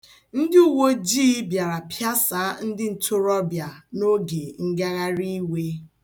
Ndị uweojii bịara pịasaa ndị ntoroọbịa n'oge ngagharị iwe.